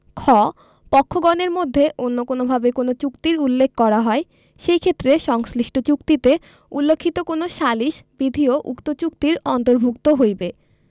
খ পক্ষগণের মধ্যে অন্য কোনভাবে কোন চুক্তির উল্লেখ করা হয় সেই ক্ষেত্রে সংশ্লিষ্ট চুক্তিতে উল্লেখিত কোন সালিস বিধিও উক্ত চুক্তির অন্তর্ভুক্ত হইবে